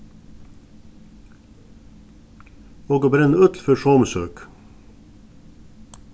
okur brenna øll fyri somu søk